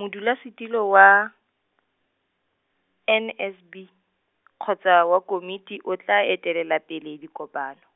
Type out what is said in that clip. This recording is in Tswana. modulasetulo wa, N S B, kgotsa wa komiti o tla etelelapele dikopano,